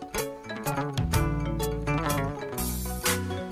Sanunɛ